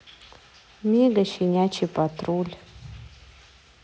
мега щенячий патруль